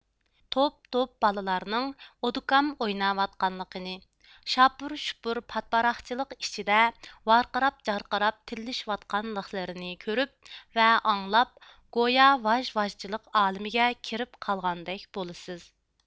توپ توپ بالىلارنىڭ ئودىكام ئويناۋاتقانلىقىنى شاپۇر شۇپۇر پاتىپاراقچىلىق ئىچىدە ۋارقىراپ جارقىراپ تىللىشىۋاتقانلىقلىرىنى كۆرۈپ ۋە ئاڭلاپ گويا ۋاژ ۋاژچىلىق ئالىمىگە كىرىپ قالغاندەك بولىسىز